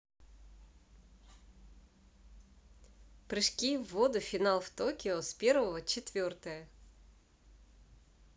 прыжки в воду финал в токио с первого четвертая